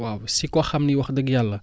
waaw si koo xam ni wax dëgg yàlla